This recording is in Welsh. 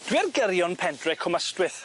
Dwi ar gyrion pentre Cwm Ystwyth.